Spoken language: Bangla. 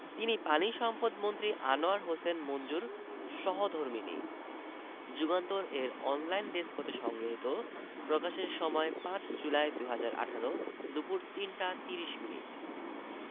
তিনি পানিসম্পদমন্ত্রী আনোয়ার হোসেন মঞ্জুর সহধর্মিণী যুগান্তর এর অনলাইন ডেস্ক হতে সংগৃহীত প্রকাশের সময় ৫ জুলাই ২০১৮ দুপুর ৩টা ৩০ মিনিট